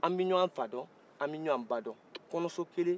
an bɛ ɲɔgɔn fa dɔn an bɛ ɲɔgɔn ba dɔn kɔnɔso kelen